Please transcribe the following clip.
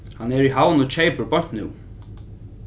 hann er í havn og keypir beint nú